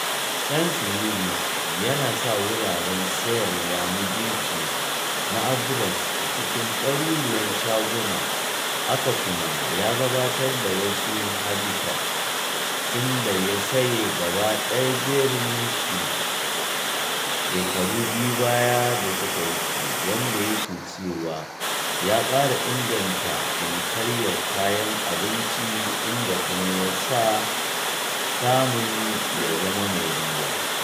Sainsbury’s yana sa wuraren sayarwa na gefe na Argos a cikin ɗaruruwan shaguna haka kuma ya gabatar da wasu Habitats tun da ya saye gaba ɗaya jerinsu shekaru biyu da suka wuce, wanda yake cewa ya ƙara inganta cinikayyar kayan abinci inda kuma ya sa samun ya zama mai riba.